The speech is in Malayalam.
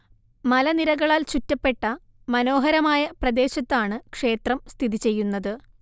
മലനിരകളാൽ ചുറ്റപ്പെട്ട മനോഹരമായ പ്രദേശത്താണ് ക്ഷേത്രം സ്ഥിതി ചെയ്യുന്നത്